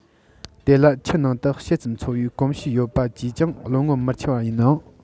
དེ ལ ཆུ ནང དུ ཕྱེད ཙམ འཚོ བའི གོམས གཤིས ཡོད པ ཅིས ཀྱང བློ ངོར མི འཆར བ ཡིན ཡང